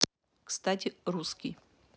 кстати русский